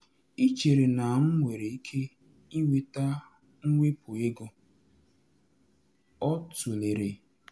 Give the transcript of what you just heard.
“Ị chere na m nwere ike ịnweta mwepu ego?” ọ tụlere.